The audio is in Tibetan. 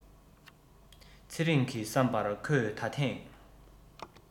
ཚེ རིང གི བསམ པར ཁོས ད ཐེངས